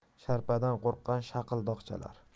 sharpadan qo'rqqan shaqildoq chalar